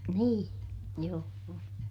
niin joo